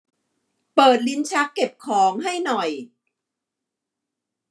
เปิดลิ้นชักเก็บของให้หน่อย